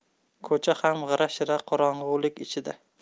ko'cha ham g'ira shira qorong'ulik ichida